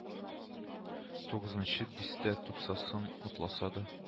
Тугызынчы дистә тупсасын атласа да